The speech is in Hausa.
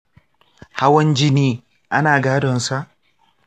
hawan jini ana gadon sa?